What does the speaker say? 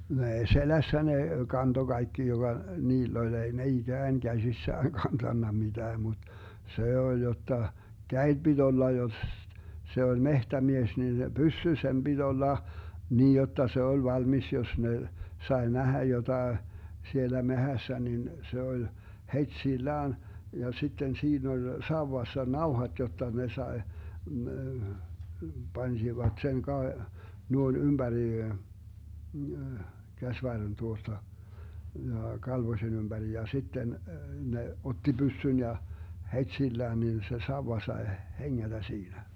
no ei selässä ne kantoi kaikki joka niillä oli ei ne ikään käsissään kantanut mitään mutta se oli jotta kädet piti olla jos se oli metsämies niin se pyssy sen piti olla niin jotta se oli valmis jos ne sai nähdä jotakin siellä metsässä niin se oli heti sillään ja sitten siinä oli sauvassa nauhat jotta ne sai panivat sen - noin ympäri käsivarren tuosta ja kalvosen ympäri ja sitten ne otti pyssyn ja heti sillään niin se sauva sai hengätä siinä